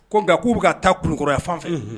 Ko nka k'u bɛ ka taa kulukɔrɔya fan fɛ